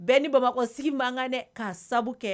Bɛɛ ni Bamakɔ sigi ma kan dɛ ka sababu kɛ